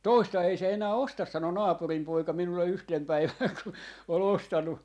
toista ei se enää osta sanoi naapurin poika minulle yhtenä päivänä kun oli ostanut